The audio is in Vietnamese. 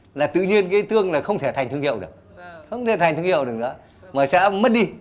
là tự nhiên cái tương là không thể thành thương hiệu được không thể thành thương hiệu được nữa mà sẽ mất đi